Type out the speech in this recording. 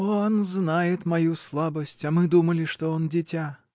— Он знает мою слабость, а мы думали, что он дитя!